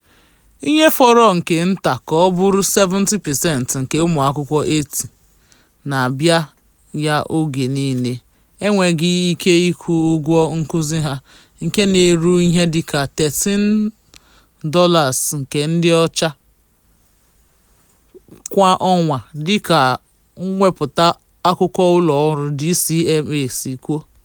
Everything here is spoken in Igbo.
Ihe fọrọ nke nta ka ọ bụrụ 70% nke ụmụakwụkwọ 80 na-abịa ya oge niile enweghị ike ịkwụ ụgwọ nkuzi ha, nke na-eru ihe dị ka $13 USD kwa ọnwa, dịka mwepụta akụkọ ụlọọrụ DCMA si kwuo.